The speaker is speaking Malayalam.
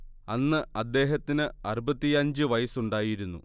അന്ന് അദ്ദേഹത്തിന് അറുപത്തിയഞ്ച് വയസ്സുണ്ടായിരുന്നു